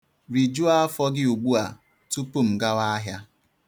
Rijuo afọ gị ugbua tupu m gawa ahịa.